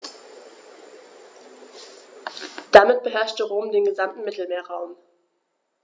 Damit beherrschte Rom den gesamten Mittelmeerraum.